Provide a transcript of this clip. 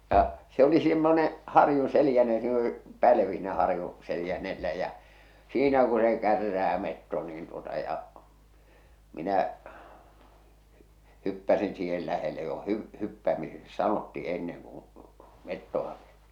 ja se oli semmoinen harjun seljänne ja siinä oli pälvi siinä harjun seljänteellä ja siinä kun se kärrää metso niin tuota ja minä hyppäsin siihen lähelle jo - hyppäämiseksi sanottiin ennen kun metsoa -